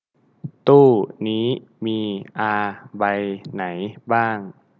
ตู้นี้มีอาใบไหนบ้าง